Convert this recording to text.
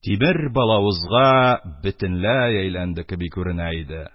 Тимер балавызга бөтенләй әйләнде кеби күренә иде.